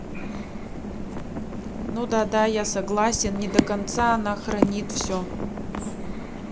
ну да да я согласен не до конца она хранит все